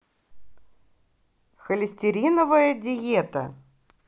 холестериновая диета